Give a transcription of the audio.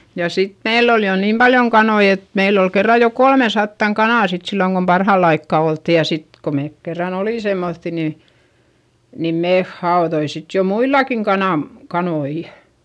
ja sitten meillä oli jo niin paljon kanoja että meillä oli kerran jo kolmesataa kanaa sitten silloin kun parhaalla aikaa oltiin ja sitten kun me kerran olimme semmoisia niin niin me haudoimme jo muillakin - kanoja